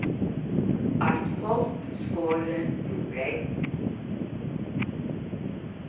eitt hálvt skorið rugbreyð